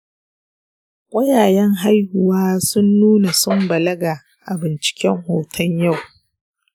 ƙwayayen haihuwa sun nuna sun balaga a binciken hoton yau.